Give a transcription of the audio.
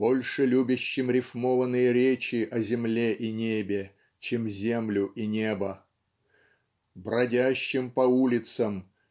больше любящем рифмованные речи о земле и небе чем землю и небо" "бродящем по улицам